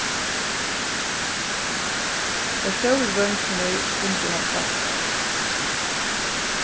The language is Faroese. teir stóru dreingirnir bundu hann fastan